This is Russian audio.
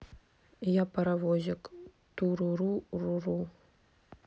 я паровозик туруру руру